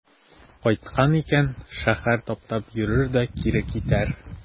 Кайткан икән, шәһәр таптап йөрер дә кире китәр.